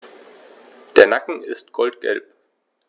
Der Nacken ist goldgelb.